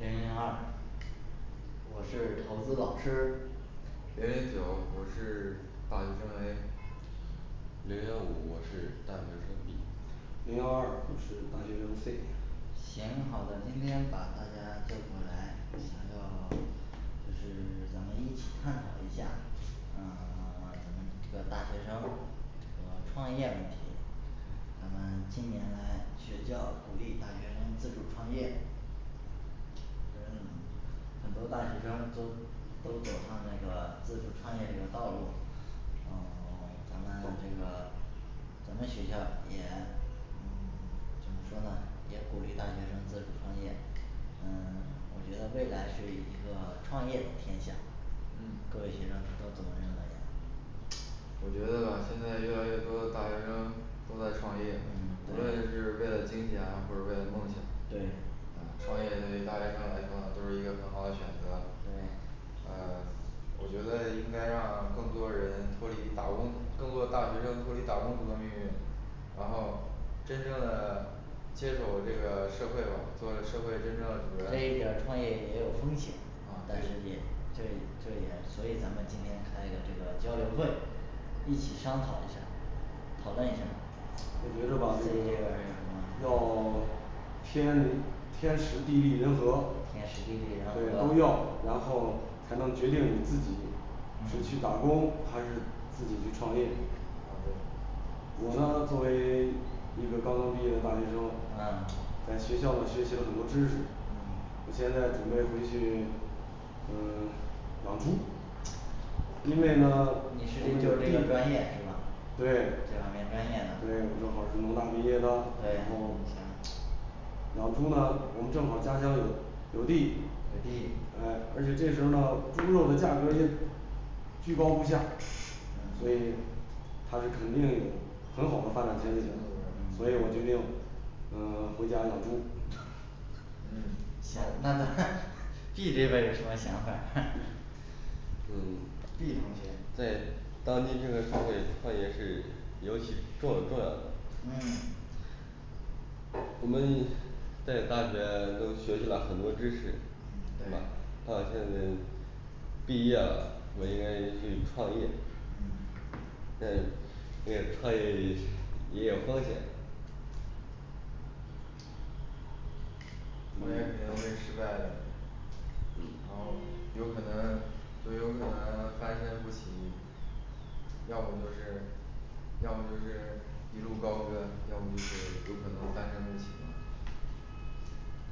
零零二我是投资老师零零九我是大学生A 零幺五我是大学生B 零幺二我是大学生C 行，好的，今天把大家叫过来，想要 就是 咱们一起探讨一下嗯 咱们这个大学生这个创业问题，咱们近年来学校鼓励大学生自主创业很 很多大学生儿都都走上这个自主创业这个道路。嗯 咱们这个咱们学校也嗯 怎么说呢也鼓励大学生自主创业嗯 我觉得未来是一个创业的天下。 &嗯&各位学生都这么认为呀我觉得现在越来越多的大学生都在创业嗯，我也是为了金钱或者为了梦想对啊，创业对于大学生来说呢就是一个很好的选择。对呃，我觉得应该让更多的人脱离打工，更多的大学生脱离打工族的命运，然后真正的接受我这个社会吧做社会真正的主人，啊这一点儿创业也有风险，但是也这也这也所以咱们今天开一个这个交流会，一起商讨一下儿，讨论一下儿。我觉这一点儿着吧有什么要 天天利天时地利人和天时地利，对人和都要，然后才能决定你自己是嗯去打工还是自己去创业我呢作为 一个刚刚毕业的大学生啊在学校里学习了很多知识嗯我现在准备回去嗯 养猪因为呢你是就是这个专业是吧对这方面专业的对我正好儿是农大毕业的，对然后 行养猪呢，我们正好儿家乡有有地有地诶，而且这时候儿那猪肉的价格儿也居高不下所以它这肯定有很好的发展前景，所以我决定嗯 回家养猪。嗯行，那咱B这边儿有什么想法儿 嗯 B同学在当今这个社会创业是尤其重要重要的嗯我们在大学都学习了很多知识嗯，对吧？到现今毕业了我应该去创业嗯，但这个创业 也有风险创业肯定会失败的，嗯然后有可能就有可能翻身不起。要不就是要不就是一路高歌，要不就是有可能翻身不起嘛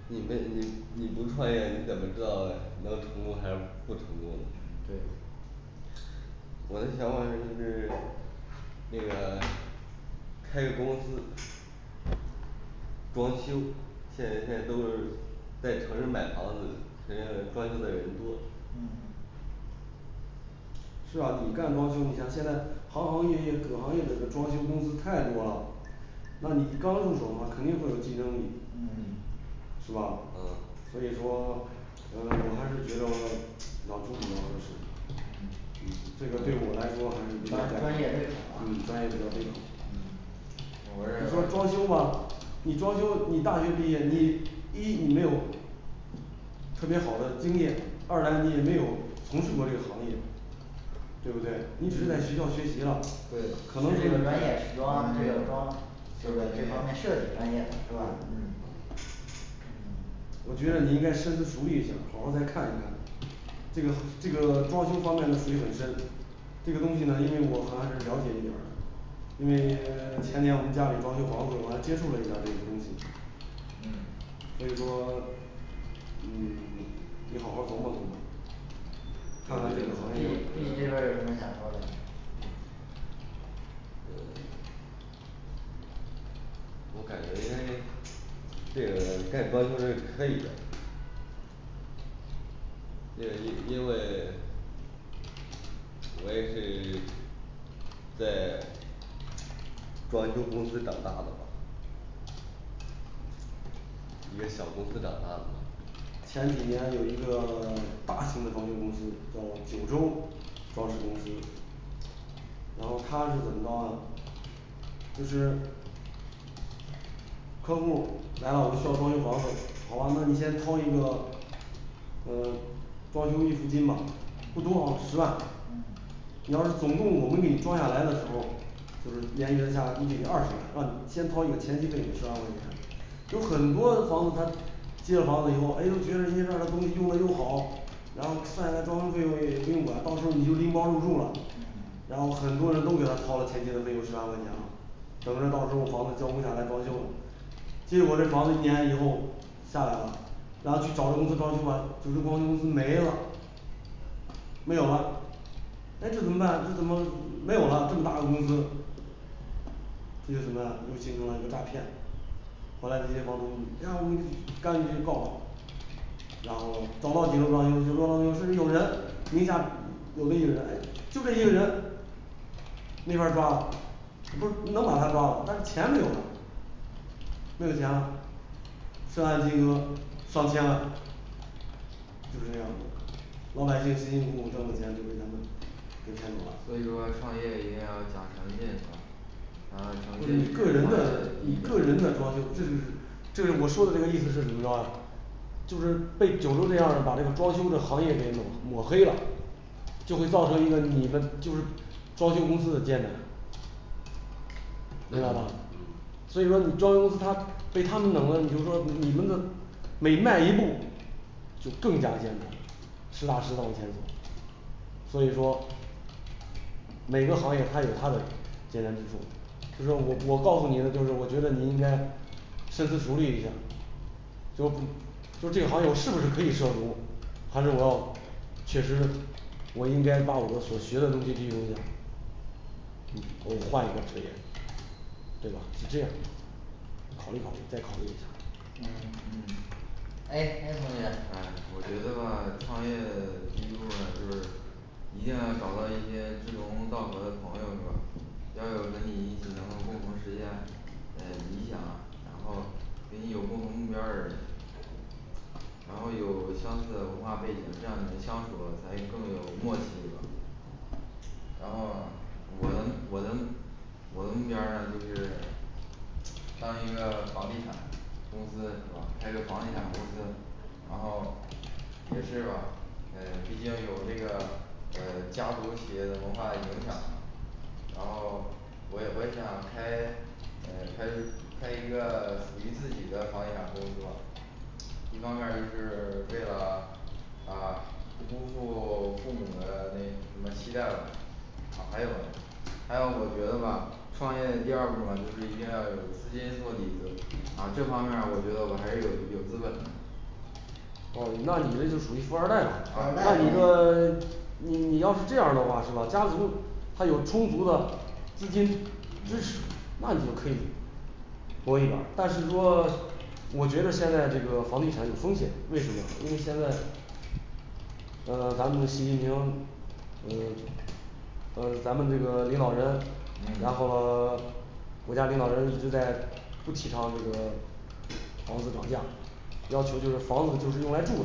你没你你不创业你怎么知道能成功还是不成功？对我的想法就是 那个 开个公司装修，现在在都是在城市买房子，肯定装修的人多嗯是啊你干装修，你像现在行行业业主行业里的装修公司太多了，那你刚入手肯定会有竞争力嗯嗯是吧啊所以说嗯我还是觉的养猪比较合适嗯，嗯，这个对我来说还是比较专专业对口儿啊嗯专业比较对口嗯啊我这儿你说有装修吧，你装修你大学毕业你一你没有特别好的经验，二来你也没有从事过这个行业，对不对？你只是在学校学习了对，可可能能这个专业是装这个装这个这方面设计专业是吧？嗯 我觉得你应该深思熟虑一下儿，好好儿再看一看。 这个这个装修方面的水很深，这个东西呢因为我好像是了解一点儿因为 前年我们家里装修房子，我还接触了一下儿这些东西嗯所以说嗯 你好好儿琢磨琢磨。看看这个行 B 业 B这边儿有什么想说嘞B 呃 我感觉应该这个干装修这可以的因为因为我也是 在装修公司长大的一个小公司长大的。前几年有一个 大型的装修公司叫九州装饰公司然后它是怎么着呢？就是客户来了我需要装修房子好啊，那你先掏一个呃装修预付金吧。嗯不多啊十万嗯你要是总共我们给你装下来的时候儿，就是连原价估计得二十万，让你先掏个前期费用十万块钱有很多的房子，他接了房子以后诶觉着人家这儿的东西用的又好，然后算下来装修费用也不用管，到时候儿你就拎包入住了。嗯然后很多人都给他掏了前期的费用十万块钱了，等着到时候儿房子交不下来装修结果这房子一年以后下来了然后去找九州公司装修吧九州装修公司没了没有了诶，这怎么办？这怎么没有了这么大个公司，这就什么？又进入了个诈骗。后来这些包工，然后你干脆去告吧，然后等到有人，哎就这些人那边儿抓了。不是人把他抓了，但是钱没有。没有钱了。涉案金额上千万，就是这样子。老百姓辛辛苦苦挣的钱就被他们，给骗走了所以说创业一定要讲诚信是吧？讲你诚信个人的你个人的装修不是就是这是我说的这个意思是怎么着啊就是被九州这样儿的把这个装修的行业给弄抹黑了就会造成一个你们就是装修公司的艰难知道吧所以说你装修他被他们弄的，你就说你们的每迈一步就更加艰难了，实打实的往前走所以说每个行业它有它的艰难之处，就说我我告诉你的，就是我觉得你应该深思熟虑一下儿就就这个行业我是不是可以涉足，还有我确实我应该把我的所学的这些这些东西，你我换一个职业，对吧？是这样。考虑考虑再考虑一下嗯儿。A A同学哎，我觉得吧创业 第一步儿呢就是一定要找到一些志同道合的朋友是吧？要有跟你一起能够共同实现呃理想，然后跟你有共同目标儿的人，然后有相似的文化背景儿，这样你们相处的才更有默契，对吧？然后我的我的我的目标儿呢就是当一个房地产公司是吧？开个房地产公司，然后也是吧？ 呃毕竟有这个呃家族企业的文化影响嘛然后我也我也想开呃开开一个属于自己的房地产公司吧一方面儿就是为了啊不辜负 父母的那什么期待吧，啊还有还有我觉得吧创业的第二部分就是一定要有资金做底子，啊这方面儿我觉得我还是有有资本的哦那你这就属于富二代了富啊，那二代你这 你要是这样的话是吧？ 家族他有充足的资金支持那你就可以多一点儿，但是说我觉得现在这个房地产有风险，为什么呢？因为现在呃咱们的习近平呃呃咱们这个领导人嗯，然后 国家领导人一直在不提倡这个房子涨价，要求就是房子就是用来住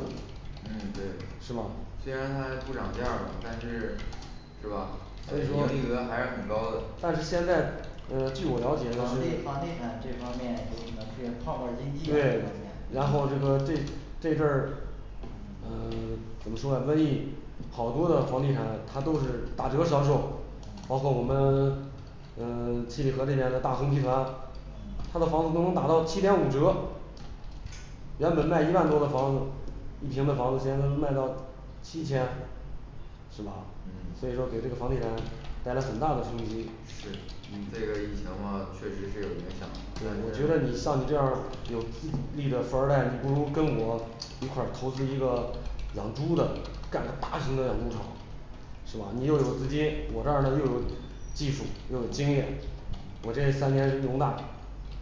嗯对的，是吧。虽然它不涨价儿，但是是吧所以啊说利润还是很高的但是现在呃据我了解房地房地产这方面有可能是泡沫儿经济这对方面，嗯然后这个这这阵儿嗯呃怎么说啊瘟疫，好多的房地产它都是打折销售，嗯包括我们嗯七里河那边的大恒集团嗯它的房子都能打到七点五折原本卖一万多的房子，一平的房子现在都能卖到七千是吧？嗯所以说给这个房地产带来很大的冲击，嗯是，这个疫情嘛确实是有影响对，我觉得你像你这样儿有力的富二代，你不如跟我一块儿投资一个养猪的干个大型的养猪场是吧？ 你又有资金，我这儿呢又有技术又有经验嗯。 我这三年农大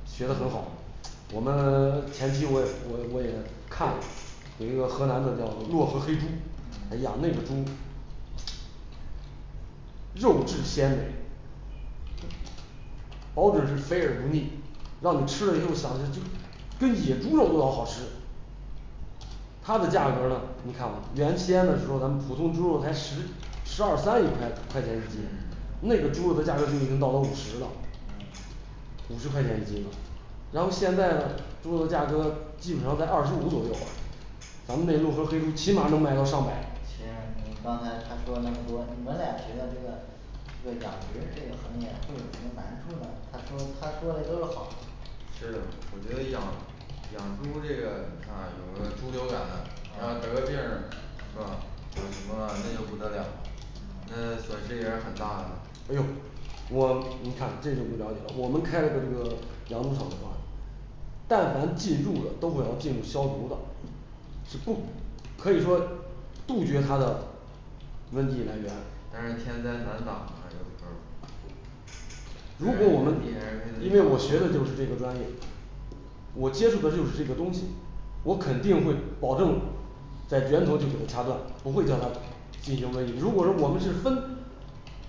学的很好我们 前期我也我也我也看了，有一个河南的叫洛河黑猪嗯咱养那个猪肉质鲜美，&这 &保准是肥而不腻，让你吃了以后想着就跟野猪肉都要好吃它的价格儿呢你看啊原先的时候儿，咱们普通猪肉才十十二三一块块钱一斤，那个猪肉的价格儿就已经到达五十了嗯五十块钱一斤吧。然后现在呢猪肉价格儿基本上在二十五左右咱们那洛河黑猪起码能卖到上百行你刚才他说了那么多，你们俩觉得这个这个养殖这个行业会有什么难处儿呢，他说的他说的都是好。是啊我觉得养养猪，这个你看啊有了猪流感，然后啊得了病儿，是吧？有什么那就不得了，那嗯损失也是挺大的，诶呦，我你看这就不了解了，我们开了个这个养猪场的话但凡进入的都会要进入消毒的，是不可以说杜绝它的问题来源但是天灾难挡啊这个如果我们因为我学的就是这个专业，我接触的就是这个东西我肯定会保证在源头就给它掐断，不会叫它进行瘟疫。 如果说我们是分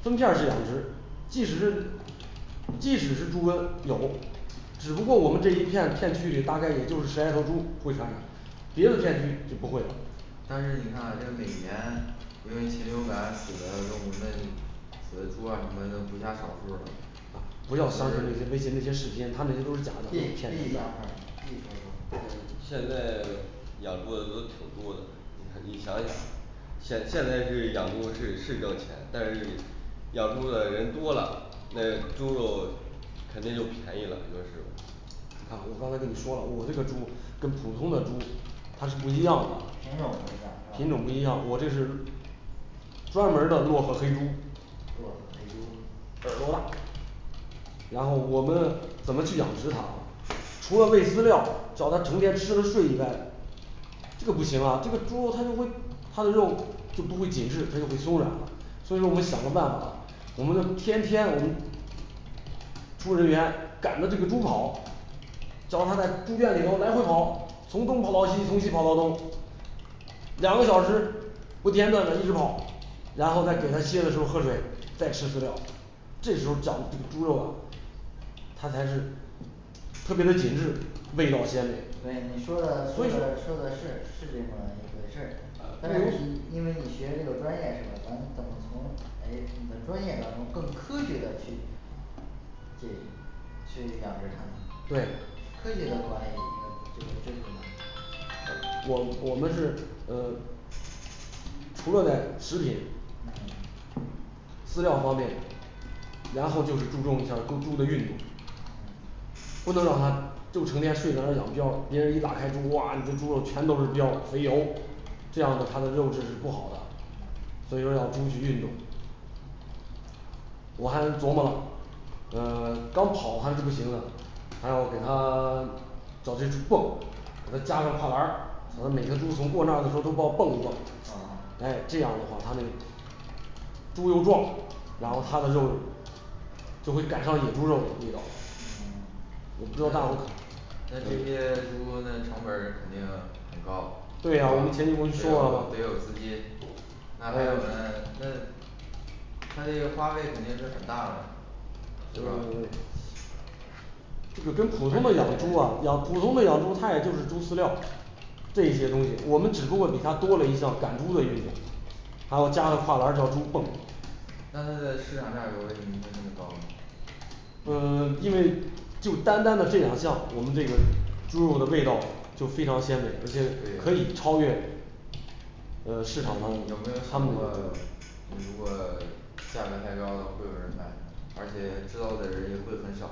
分片儿式养殖，即使这即使是猪瘟有，只不过我们这一片片区里大概也就是十来个猪会传染，别的片区就不会了但是你看啊这每年由于禽流感死的，动物那有的猪啊什么的就不下少数儿了不要相信那些微信那些视频，他们那都是假 B B想法的，骗人的儿 B说说现在养猪的都挺多的，你想想现现在是养猪是是挣钱，但是养猪的人多了，那猪肉肯定就便宜了你说是吧你看啊我刚才给你说了，我这个猪跟普通的猪它是不一样的，品品种不一样是吧种不一样，我这是专门儿的洛河黑猪洛河黑猪耳朵大。 然后我们呢怎么去养殖它，除了喂饲料叫它成天吃了睡以外这个不行啊，这个猪肉它就会它的肉就不会紧致，它就会松软，所以说我们想个办法，我们能天天我们出人员赶着这个猪跑叫它在猪圈里头来回跑，从东跑到西，从西跑到东，两个小时不间断的一直跑，然后再给它歇的时候喝水，再吃饲料，这时候长的这个猪肉，它才是特别的紧致，味道鲜美，所以说，我对，你说的说的说的是是这么一回事儿，但是你因为你学这个专业是吧？咱们怎么从诶你的专业当中更科学的去建议，去养殖它们对，科学的管理一个这个制度呢。呃我我们是呃除了在食品嗯饲料方面，然后就是注重一下儿猪猪的运动不能让它就成天睡着那养膘儿，别人一打开猪，哇你这猪肉全都是膘儿肥油，这样子它的肉质是不好的。嗯所以说要猪去运动我还在琢磨，呃 光跑还是不行的。还要给它 找地儿去蹦，给它加个跨栏儿，让它每个猪从过那儿的时候都把我蹦一蹦哦，诶这样的话它那猪肉壮，然后它的肉就会赶上野猪肉的味道。嗯我不知道大伙儿，那那这些猪那成儿本肯定很高，对呀我们前期都说了，得有资金，那我们嗯它这些花费肯定是很大的。对吧嗯 这个跟普通的养猪啊养普通的养猪它也就是猪饲料这些东西我们只不过比它多了一项赶猪的运动还要加个跨栏儿叫猪蹦。那它的市场价格儿为什么会那么高呢？呃 因为就单单的这两项，我们这个猪肉的味道就非常鲜美，而且可对以超越呃市场上有没有它想们过你如果价格儿太高会有人买，而且知道的人也会很少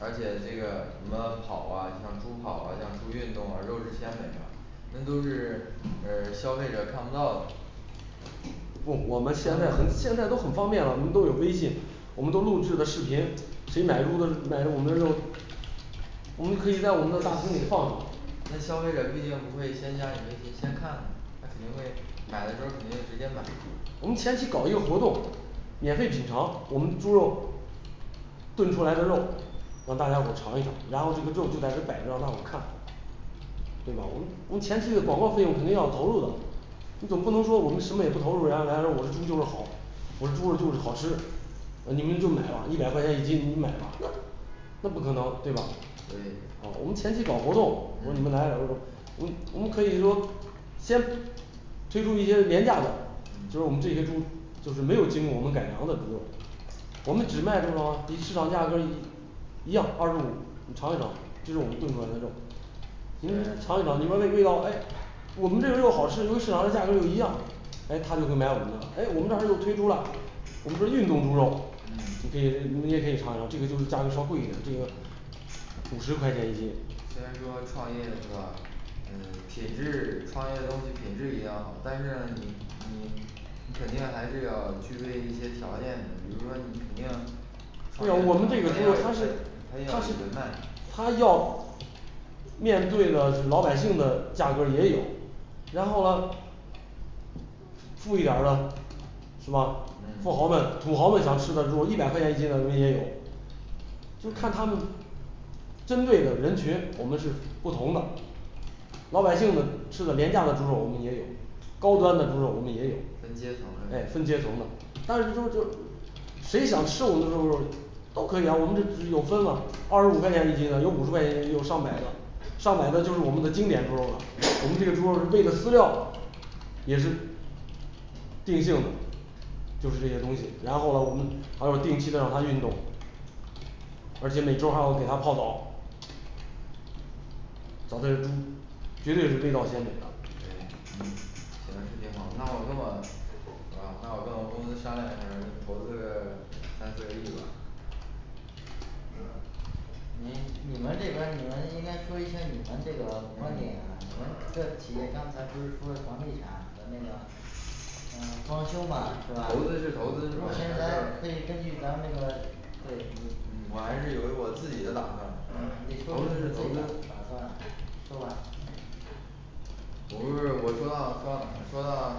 而且这个什么跑啊像猪跑啊像猪运动啊肉质鲜美呀，那都是 消费者看不到的不我们现在我们现在都很方便了，我们都有微信，我们都录制的视频，谁买入的，买我们这我们可以在我们的大厅里放，那消费者儿毕竟不会先加你微信先看看，他肯定会买的时候儿肯定直接买，我们前期搞一个活动，免费品尝我们猪肉炖出来的肉，让大家伙儿尝一尝，然后这个肉就在这儿摆着让大伙儿看对吧？我们我们前期的广告费用肯定要投入的，你总不能说我们什么也不投入，人家来了我的猪就是好，我的猪肉就是好吃啊你们就买吧一百块钱一斤，你们买吧，那那不可能对吧对？ 啊我们前期搞活动如果你们来呃我们我们可以说先推出一些廉价的，嗯就是我们这些猪就是没有经过我们改良的猪肉我们只卖多少啊比市场价格一一样二十五，你尝一尝，这是我们炖出来的肉。你们尝一尝你们没必要。诶我们这儿肉好吃，又和市场的价格又一样，诶他就会买我们的，诶我们这儿又推出了，我们说运动猪肉嗯，你可以你也可以尝一尝，这个就是价格稍贵一点儿这个。五十块钱一斤，虽然说创业是吧？嗯品质创业的东西品质也要好，但是你你你肯定还是要具备一些条件的，比如说你肯定对啊我们这个猪肉它是它它要只是卖它要面对的是老百姓的价格也有，然后富一点儿的是吧？ 嗯富豪们土豪们想要吃的猪肉一百块钱一斤的我们也有，就看他们针对的人群，我们是不同的老百姓们吃的廉价的猪肉，我们也有，高端的猪肉我们也有分阶层的诶分阶层的，但是说这谁想吃我们猪肉都可以呀，我们这儿只有分了二十五块钱一斤的，有五十块钱一斤的，有上百的，上百的就是我们的经典猪肉了。我们这个猪肉是喂了饲料，也是定性的就是这些东西，然后喽我们还有定期的让它运动，而且每周儿还要给它泡澡咱这些猪绝对是味道鲜美的，嗯，行，挺好。那我跟我，是吧那我跟我公司商量一下儿，给你投资个 三四个亿吧你你们这边儿你们应该说一下儿你们这个观点呀嗯，你们这企业刚才不是说房地产和那个嗯装修嘛是吧？投资是投资是吧目前咱可以根据咱那个对。你嗯，，我还是有我自己的打算嗯，你得，说投资是自投己资打打算，说吧我不是，我说到说到说到